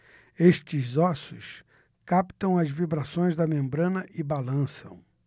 estes ossos captam as vibrações da membrana e balançam